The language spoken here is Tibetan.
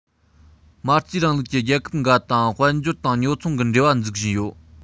མ རྩའི རིང ལུགས ཀྱི རྒྱལ ཁབ འགའ དང དཔལ འབྱོར དང ཉོ ཚོང གི འབྲེལ བ འཛུགས བཞིན ཡོད